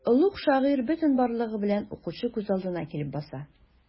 Олуг шагыйрь бөтен барлыгы белән укучы күз алдына килеп баса.